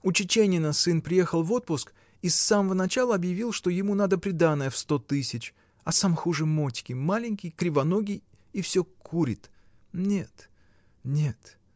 У Чеченина сын приехал в отпуск и с самого начала объявил, что ему надо приданое во сто тысяч, а сам хуже Мотьки: маленький, кривоногий и всё курит! Нет, нет.